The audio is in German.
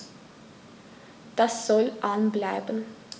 Das soll an bleiben.